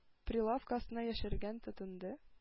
Прилавка астына яшерергә тотынды.